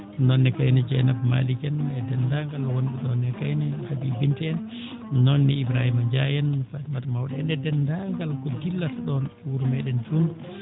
noon ne kayne Dieynaba Malick en e deenndaangal wonɓe ɗoon e kayne Haby Binta en noon ne Ibrahima Ndiaye en Fatimata Mawɗo e deenndaangal ko dillata ɗoon ɗo wuro meeɗen Dondou